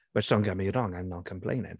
But just don't get me wrong. I'm not complaining.